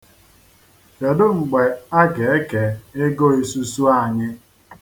Kedu mgbe a ga-eke ego isusu anyị?